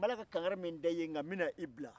n b'ala ka kangari min da i ye nka bɛna i bila